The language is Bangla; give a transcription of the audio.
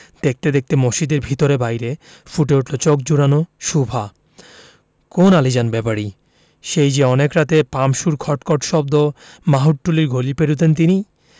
দেখতে দেখতে মসজিদের ভেতরে বাইরে ফুটে উঠলো চোখ জুড়োনো শোভা কোন আলীজান ব্যাপারী সেই যে অনেক রাতে পাম্পসুর খট খট শব্দ মাহুতটুলির গলি পেরুতেন তিনি